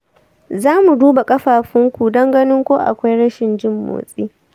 za mu duba ƙafafunka don ganin ko akwai rashin jin motsi.